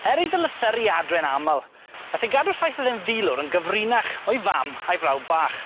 Er iddo lythyru adre'n amal nath e gadw'r ffaith o'dd e'n filwr yn gyfrinach o'i fam a'i frawd bach.